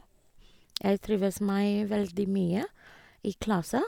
Jeg trives meg veldig mye i klassa.